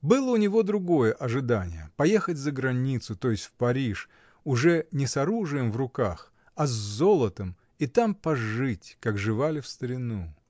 Было у него другое ожидание — поехать за границу, то есть в Париж, уже не с оружием в руках, а с золотом, и там пожить, как живали в старину.